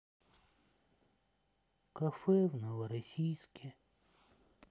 кафе в новороссийске